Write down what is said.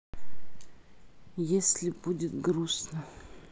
если будет грустно